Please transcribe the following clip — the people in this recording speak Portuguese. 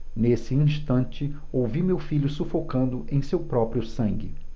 nesse instante ouvi meu filho sufocando em seu próprio sangue